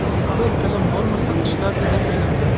qizil tilim bo'lmasa qishlar edim elimda